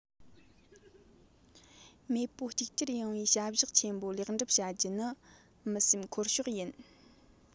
མེས རྒྱལ གཅིག གྱུར ཡོང བའི བྱ གཞག ཆེན པོ ལེགས འགྲུབ བྱ རྒྱུ ནི མི སེམས འཁོར ཕྱོགས ཡིན